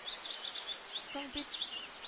— соң бит